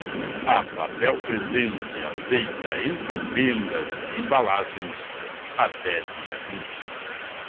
a papel presente aceita encomendas de embalagens até dia vinte